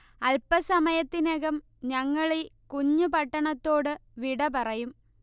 അൽപസമയത്തിനകം ഞങ്ങളീ കുഞ്ഞു പട്ടണത്തോടു വിട പറയും